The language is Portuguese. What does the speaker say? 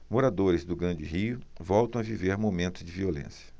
moradores do grande rio voltam a viver momentos de violência